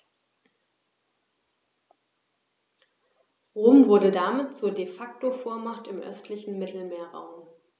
Rom wurde damit zur ‚De-Facto-Vormacht‘ im östlichen Mittelmeerraum.